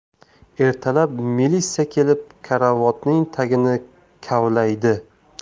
ertalab milisa kelib karavotning tagini kavlaydi